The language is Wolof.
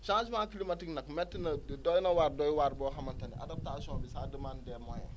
changement climatique nag métti na doy na waar doy waar boo xamante ne adaptation bi ça demande des moyens